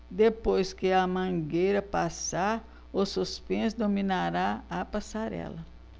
depois que a mangueira passar o suspense dominará a passarela